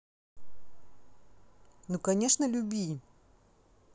ну конечно люби